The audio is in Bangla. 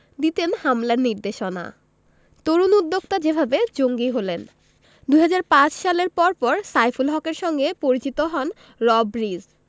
দিতেন হামলার নির্দেশনা তরুণ উদ্যোক্তা যেভাবে জঙ্গি হলেন ২০০৫ সালের পরপর সাইফুল হকের সঙ্গে পরিচিত হন রব রিজ